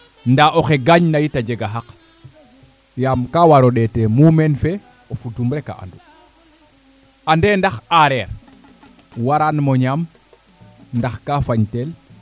nda oxe gaañ na yit a jega xaq yaam ka waro ndeete mumeen fe o fudum reka andu ande ndax areer waraan mo ñaam ndax ka fañ teel